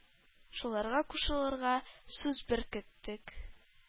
Шуларга кушылырга сүз беркеттек,